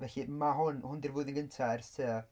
Felly mae hwn... Hwn 'di'r flwyddyn gyntaf ers tua...